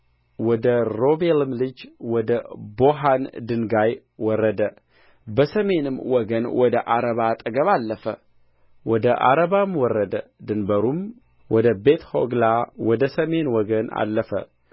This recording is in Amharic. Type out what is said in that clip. ወደ ሮቤልም ልጅ ወደ ቦሀን ድንጋይ ወረደ በሰሜንም ወገን ወደ ዓረባ አጠገብ አለፈ ወደ ዓረባም ወረደ ድንበሩም ወደ ቤትሖግላ ወደ ሰሜን ወገን አለፈ